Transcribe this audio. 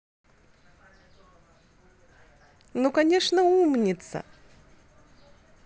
ну конечно умница